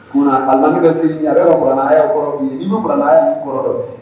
Munna alimami bɛ seli di a bɛ kuranɛ hayaw kɔrɔ fɔ i ye i bi kuranɛ hayaw kɔrɔ dɔn